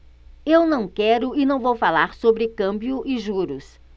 eu não quero e não vou falar sobre câmbio e juros